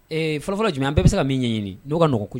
Ee fɔlɔfɔlɔ jumɛn bɛɛ bɛ se ka min ɲini n'o ka nɔgɔɔgɔ